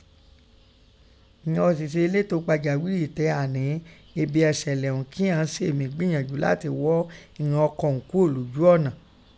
Ìghọn ọ̀sisẹ eléto pàjághìrì tẹ ha nẹ́ ibin èsẹlẹ ọ̀ún kin ghọ́n se mí gbìnyanju lati ghọ́ ìghọn ọkọ ọ̀ún kúò lójú ọ̀nà.